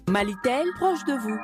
Mali tɛ ptufu